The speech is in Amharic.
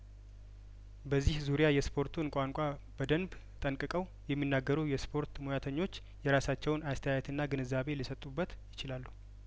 በዚህ ዙሪያ የስፖርቱን ቋንቋ በደንብ ጠንቅቀው የሚናገሩ የስፖርት ሙያተኞች የራሳቸውን አስተያየትና ግንዛቤ ሊሰጡበት ይችላሉ